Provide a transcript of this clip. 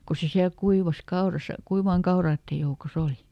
kun se siellä kuivasi kaurassa kuivien kaurojen joukossa oli